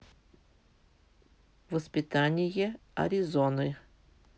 воспитание аризоны